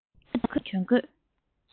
མལ གོས དང གྱོན ཆས